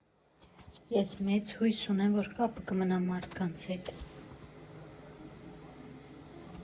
Ես մեծ հույս ունեմ, որ կապը կմնա մարդկանց հետ։